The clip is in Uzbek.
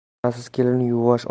onasiz kelin yuvvosh